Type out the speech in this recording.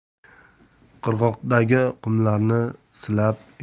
qirg'oqdagi qumlarni silab